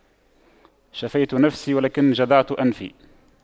شفيت نفسي ولكن جدعت أنفي